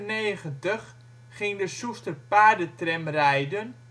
In 1895 ging de Soester Paardentram rijden